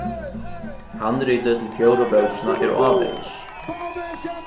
handritið til fjórðu bókina er ávegis